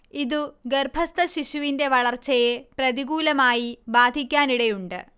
ഇതു ഗർഭസ്ഥശിശുവിന്റെ വളർച്ചയെ പ്രതികൂലമായി ബാധിക്കാനിടയുണ്ട്